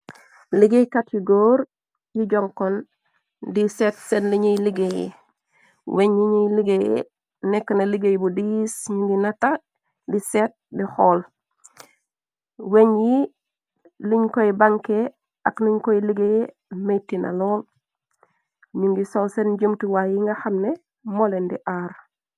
Liggéeykat yu gór yu jonkoon di seet seen liñuy liggéeyyi weñ yi ñuy liggéey nekkna liggéey bu diis ñu ngi nata di seet di xool weñ yi luñ koy banke ak nuñ koy liggéey metinalon ñu ngi saw seen njumtuwaa yi nga xamne molendi aar.